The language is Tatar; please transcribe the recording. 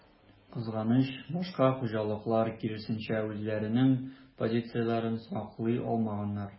Кызганыч, башка хуҗалыклар, киресенчә, үзләренең позицияләрен саклый алмаганнар.